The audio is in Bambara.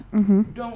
Unhun